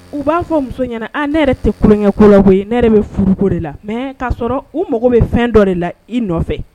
U b'a fɔ muso ɲɛna an ne yɛrɛ tɛ kolonkɛ la koyi ne bɛ furuko de la mɛ k' sɔrɔ u mago bɛ fɛn dɔ de la i nɔfɛ